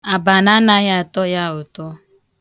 Abana anaghị atọ ụtọ ya ụtọ.